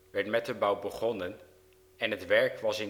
werd met de bouw begonnen, en het werk was